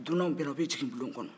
dunan bɛ na u bɛ jigin bulon kɔnɔ